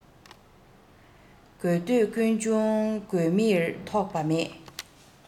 དགོས འདོད ཀུན འབྱུང དགོས མིར ཐོགས པ མེད